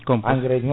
composte